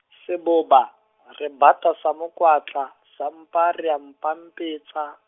seboba, re bata sa mokwatla, sa mpa re a mpampetsa.